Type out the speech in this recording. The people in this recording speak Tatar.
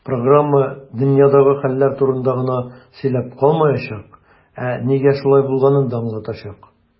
Программа "дөньядагы хәлләр турында гына сөйләп калмаячак, ә нигә шулай булганын да аңлатачак".